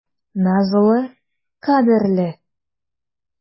Назлы, кадерле.